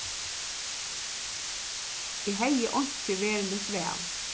eg hevði einki veruligt val